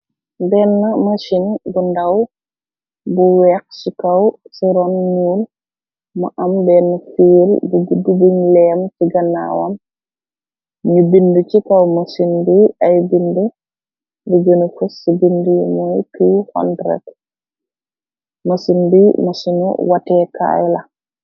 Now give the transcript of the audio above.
Benn masin bu ndaw, bu weex ci kaw si ron ñuul, mu am bennë fiil buñg leem si gannaawam, ñu bind ci kaw mësin bi ay bind ligënë fës si bindë yi mooy(... inaudible)masin bi, masinu watee kaay la.